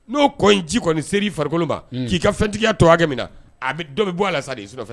N'o kɔ ji kɔni se farikolokolonba k'i ka fɛntigiya to min na a dɔ bɛ bɔ ala la sa nɔfɛ